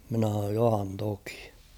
minä sanoin johan toki